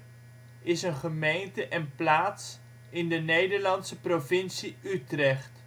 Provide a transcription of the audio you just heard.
is een gemeente en plaats in de Nederlandse provincie Utrecht